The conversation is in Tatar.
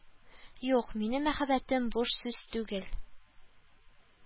Юк, минем мәхәббәтем буш сүз түгел